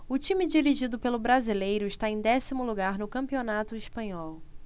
o time dirigido pelo brasileiro está em décimo lugar no campeonato espanhol